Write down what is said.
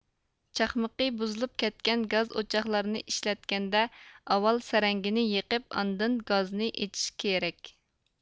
چاقمىقى بۇزۇلۇپ كەتكەن گاز ئوچاقلارنى ئىشلەتكەندە ئاۋال سەرەڭگىنى يېقىپ ئاندىن گازنى ئېچىش كېرەك